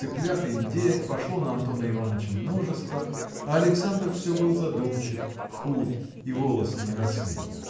цыплят и индеек пошло на Антона Иваныча множество а Александр все был задумчив худ и волосы не росли.